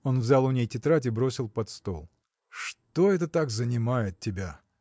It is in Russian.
Он взял у ней тетрадь и бросил под стол. – Что это так занимает тебя?